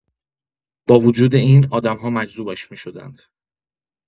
با وجود این، آدم‌ها مجذوبش می‌شدند.